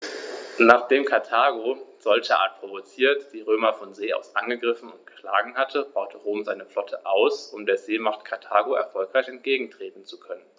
Nachdem Karthago, solcherart provoziert, die Römer von See aus angegriffen und geschlagen hatte, baute Rom seine Flotte aus, um der Seemacht Karthago erfolgreich entgegentreten zu können.